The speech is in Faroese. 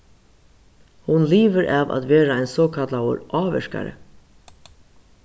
hon livir av at vera ein sokallaður ávirkari